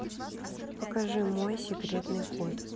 покажи мой секретный код